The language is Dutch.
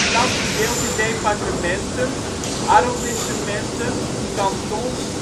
land verdeeld in departementen, arrondissementen, cantons